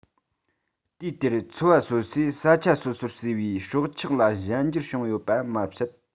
དུས དེར ཚོ བ སོ སོས ས ཆ སོ སོར གསོས པའི སྲོག ཆགས ལ གཞན འགྱུར བྱུང ཡོད པ མ ཟད